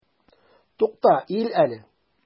Тукта, иел әле!